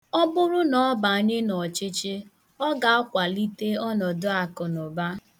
Ọ bụrụ na ọ banye n'ọchịchị, ọ ga-akwalite ọnọdụ akụnụba.